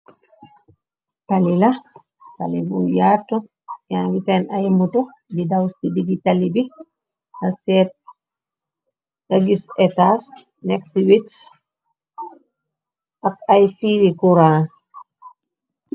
Taali la taali bu yaatu, yangi seen ay moto di daw ci diggi taali bi nga gis etas nekk ci wit ak ay fiili kuraan.